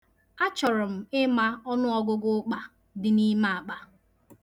Achọrọ m ịma ọnụọgụgụ ụkpa dị n’ime akpa.